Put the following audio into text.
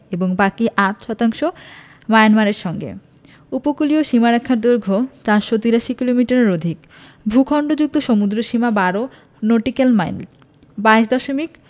এবং বাকি ৮ শতাংশ মায়ানমারের সঙ্গে উপকূলীয় সীমারেখার দৈর্ঘ্য ৪৮৩ কিলোমিটারের অধিক ভূখন্ডগত সমুদ্রসীমা ১২ নটিক্যাল মাইল ২২ দশমিক